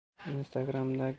instagram'dagi fotobloger eng omadli